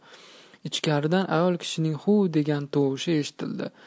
ichkaridan ayol kishining huuv degan tovushi eshitildi